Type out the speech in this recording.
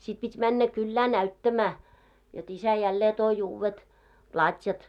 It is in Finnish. sitten piti mennä kylään näyttämään jotta isä jälleen toi uudet platjat